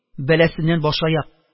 Бәласеннән баш-аяк.